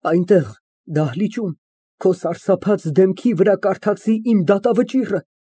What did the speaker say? Այնտեղ, դահլիճում, քո սարսափած դեմքի վրա կարդացի իմ դատավճիռը։